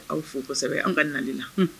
Aw fo kosɛbɛ an ka nali la